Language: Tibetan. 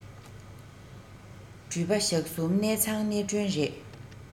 འགྲུལ པ ཞག གསུམ གནས ཚང གནས མགྲོན རེད